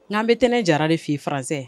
N k'an bɛ Tɛnɛ Jara de fɛ yen français